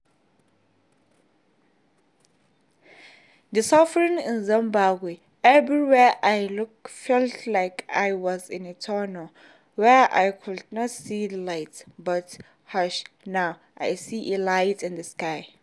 The suffering in Zimbabwe, everywhere I looked felt like I was in a tunnel where I could not see the light but, hush now I see a light in the sky.